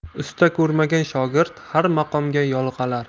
usta ko'rmagan shogird har maqomga yo'ig'alar